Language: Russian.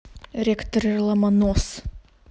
ректоры ломонос